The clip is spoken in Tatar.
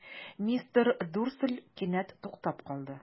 Мистер Дурсль кинәт туктап калды.